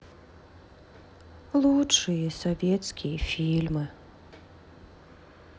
лучшие советские фильмы